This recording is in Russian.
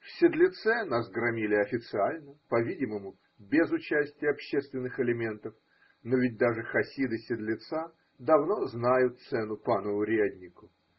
В Седлеце нас громили официально, по-видимому без участия общественных элементов, – но ведь даже хасиды Седлеца давно знают цену пану уряднику.